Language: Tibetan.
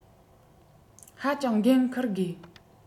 ཧ ཅང འགན འཁུར དགོས